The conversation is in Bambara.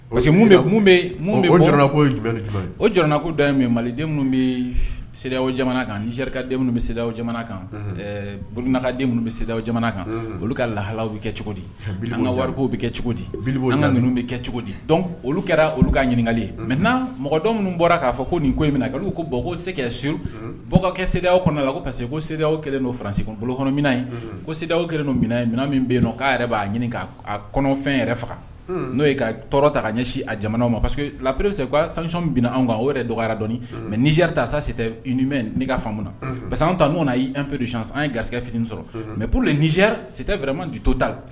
Parce que o jna' da mali denw bɛ jamana kanrika den bɛ se jamana kan boliunaka bɛ se kan olu ka lahalalaww bɛ kɛ cogo di wariw bɛ kɛ cogo di ninnu bɛ kɛ cogo dic olu kɛra olu ka ɲininkaka ye mɛ na mɔgɔ dɔ minnu bɔra k'a fɔ ko nin ko in mina na ka ko bɔkose suru bɔ kɛ se kɔnɔ la ko parce que ko se kelen don fase bolo kɔnɔmin ko sew kelen don mina minɛn min bɛ yen k'a yɛrɛ b'a ɲini k' kɔnɔfɛn yɛrɛ faga n'o ye ka tɔɔrɔ ta ka ɲɛsin a jamana ma parce que la pe se' sancɔn b anw kan o yɛrɛ dɔgɔyara dɔn mɛri tatemɛ ne kaa faamumu na parce que an tan n'o na'anperedusisan ye gasɛgɛ fit sɔrɔ mɛ p niz si tɛ wɛrɛɛrɛmajuto ta